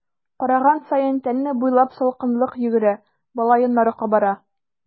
Караган саен тәне буйлап салкынлык йөгерә, бала йоннары кабара.